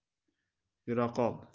yura qol